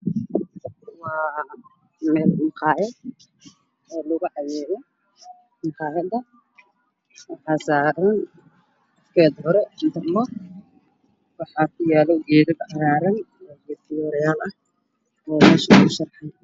Waa meel makhaayad ah oo lagu caweeyo maqaayadda korkeeda waxaa saaran nin waxaa ku hoos yaalla geed weyn